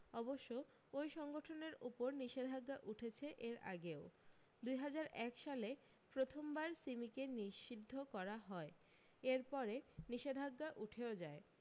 অবশ্য ওই সংগঠনের উপর নিষেধাজ্ঞা উঠেছে এর আগেও দু হাজার এক সালে প্রথমবার সিমিকে নিষিদ্ধ করা হয় এরপরে নিষেধাজ্ঞা উঠেও যায়